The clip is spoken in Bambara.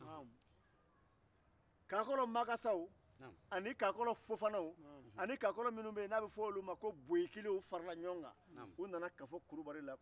kakɔlɔ makasaw fofanaw ni boyikilew nana fara kulubaliw kan